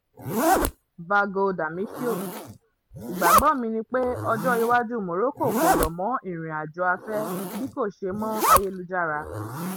[Vago Damitio:] Ìgbàgbọ́ mi ni pé ọjọ́-iwájú Morocco kò rọ̀ mọ́ ìrìn-àjò afẹ́ bí kò ṣe mọ́ ayélujára.